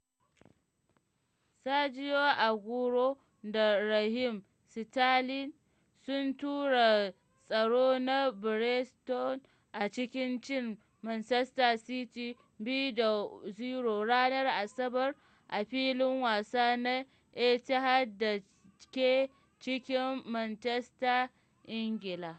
Sergio Aguero da Raheem Sterling sun tura tsaro na Brighton a cikin cin Manchester City 2 da 0 ranar Asabar a Filin Wasa na Etihad da ke cikin Manchester, Ingila.